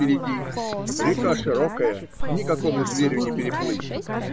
впереди - река широкая, никакому зверю не переплыть